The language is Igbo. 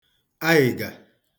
aịga